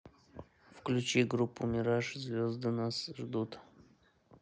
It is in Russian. включи группа мираж звезды нас ждут